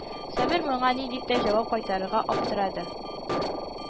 Сабир моңа ни дип тә җавап кайтарырга аптырады